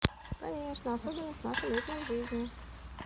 конечно особенно с нашим ритмом жизни